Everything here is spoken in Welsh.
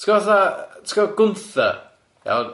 ti'n gwbo 'tha ti'n gwbo Gunther iawn o Friends?